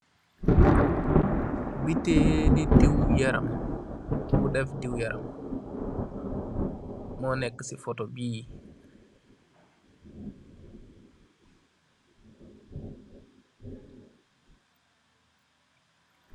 Bitaili diw yaram ,bu def diw yaram, mo nek si photo bii.